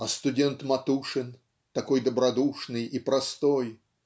А студент Матушин, такой добродушный и простой!